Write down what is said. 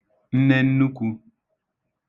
nnennukwū